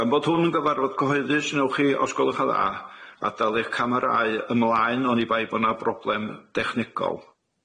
Gan bod hwn yn gyfarfod cyhoeddus newch chi os gwelwch yn dda adael eich camerâu ymlaen onibai bo' na broblem dechnegol.